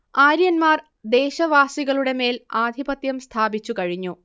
ആര്യന്മാർ ദേശവാസികളുടെമേൽ ആധിപത്യം സ്ഥാപിച്ചു കഴിഞ്ഞു